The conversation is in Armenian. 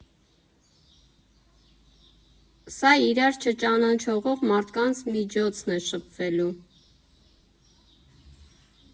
Սա իրար չճանաչողող մարդկանց միջոցն է շփվելու։